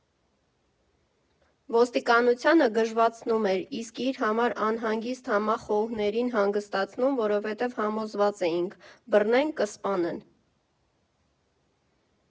Ոստիկանությանը գժվացնում էր, իսկ իր համար անհանգիստ համախոհներին հանգստացնում, որովհետև համոզված էինք՝ բռնեն՝ կսպանեն։